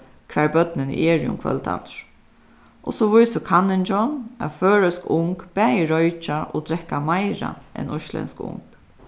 hvar børnini eru um kvøldarnar og so vísir kanningin at føroysk ung bæði roykja og drekka meira enn íslendsk ung